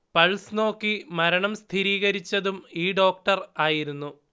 pulse നോക്കി മരണം സ്ഥീരീകരിച്ചതും ഈ ഡോക്ടർ ആയിരുന്നു